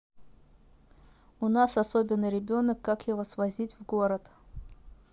у нас особенный ребенок как его свозить в город